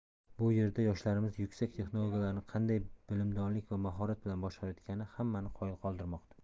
bu yerda yoshlarimiz yuksak texnologiyalarni qanday bilimdonlik va mahorat bilan boshqarayotgani hammani qoyil qoldirmoqda